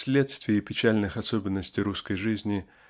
вследствие печальных особенностей русской жизни